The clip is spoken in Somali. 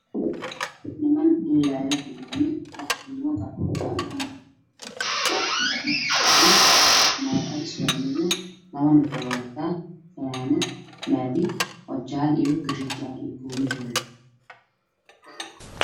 Waa meel garoon cagaar ah waxaa taagan niman mid wuxuu wata fanaanad jala ah mid fanaanada buluug cagaar